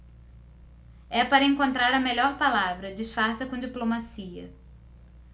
é para encontrar a melhor palavra disfarça com diplomacia